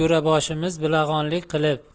jo'raboshimiz bilag'onlik qilib